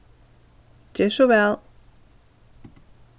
ger so væl